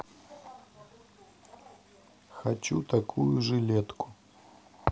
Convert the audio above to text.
хочу такую жилетку